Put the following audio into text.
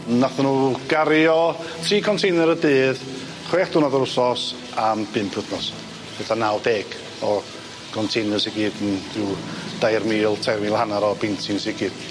Nathon nw gario tri container y dydd chwech diwrnod yr wsos am bump wthnos fatha naw deg o gontainers i gyd m- ryw dair mil tair mil a hannar o beintings i gyd.